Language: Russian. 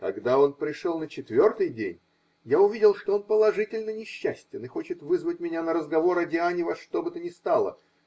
Когда он пришел на четвертый день, я увидел, что он положительно несчастен и хочет вызвать меня на разговор о Диане во что бы то ни стало.